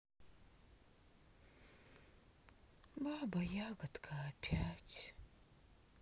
баба ягодка опять